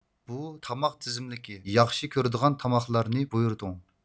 بۇ تاماق تىزىملىكى ياخشى كۆرىدىغان تاماقلارنى بۇيرىتىڭ